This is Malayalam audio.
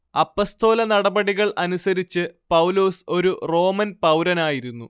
അപ്പസ്തോലനടപടികൾ അനുസരിച്ച് പൗലോസ് ഒരു റോമൻ പൗരനായിരുന്നു